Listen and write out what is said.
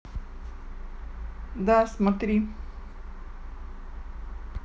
да смотри